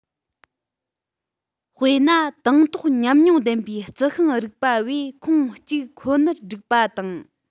དཔེར ན དང ཐོག མཉམ མྱོང ལྡན པའི རྩི ཤིང རིག པ བས ཁོངས གཅིག ཁོ ནར བསྒྲིགས པ དང